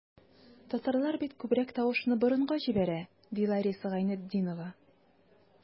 Татарлар бит күбрәк тавышны борынга җибәрә, ди Лариса Гайнетдинова.